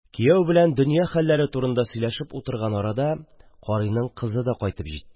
Кияү белән донъя хәлләре турында сөйләшеп утырган арада, карыйның кызы да кайтып җитте.